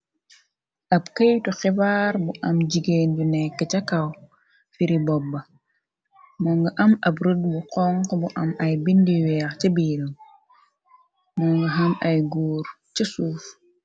Ab keytu xibaar bu am jigéen du nekk ca kaw firi bobb moo nga am ab rut bu xong bu am ay bindiweex ca biil moo nga am ay góur ca suuf.